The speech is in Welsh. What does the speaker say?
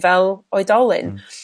fel oedolyn